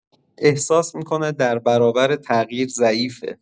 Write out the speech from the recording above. احساس می‌کنه در برابر تغییر ضعیفه.